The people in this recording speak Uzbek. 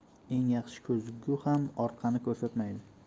eng yaxshi ko'zgu ham orqani ko'rsatmaydi